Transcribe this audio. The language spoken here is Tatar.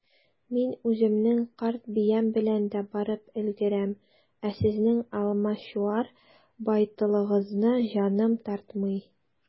Мин үземнең карт биям белән дә барып өлгерәм, ә сезнең алмачуар байталыгызны җаным тартмый.